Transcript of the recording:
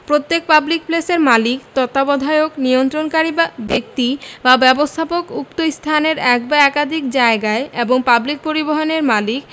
প্রত্যেক পাবলিক প্লেসের মালিক তত্ত্বাবধায়ক নিয়ন্ত্রণকারী ব্যক্তিবা ব্যবস্থাপক উক্ত স্থানের এক বা একাধিক জায়গায় এবং পাবলিক পরিবহণের মালিক